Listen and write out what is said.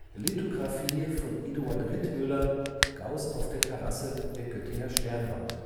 Lithographie von Eduard Ritmüller (1805 – 1869) Gauss auf der Terrasse der Göttinger Sternwarte